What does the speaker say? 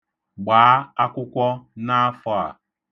Gbaa akwụkwọ n'afọ a.